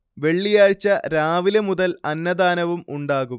വെള്ളിയാഴ്ച രാവിലെ മുതൽ അന്നദാനവും ഉണ്ടാകും